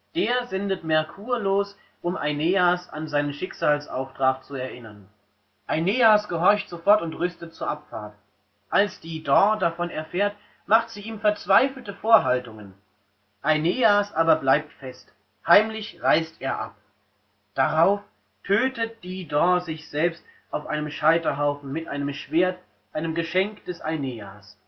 Der sendet Merkur los, um Aeneas an seinen Schicksalsauftrag zu erinnern. Aeneas gehorcht sofort und rüstet zur Abfahrt. Als Dido davon erfährt, macht sie ihm verzweifelte Vorhaltungen. Aeneas aber bleibt fest. Heimlich reist er ab. Darauf tötet Dido sich selbst auf einem Scheiterhaufen mit einem Schwert, einem Geschenk des Aeneas